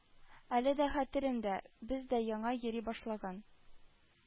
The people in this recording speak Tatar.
Әле дә хәтеремдә: без дә, яңа йөри башлаган